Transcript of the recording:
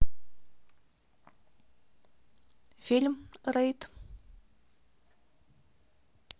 фильм рейд